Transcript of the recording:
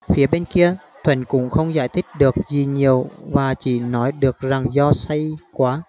phía bên kia thuận cũng không giải thích được gì nhiều và chỉ nói được rằng do say quá